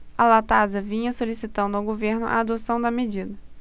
a latasa vinha solicitando ao governo a adoção da medida